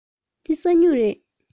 འདི ས སྨྱུག རེད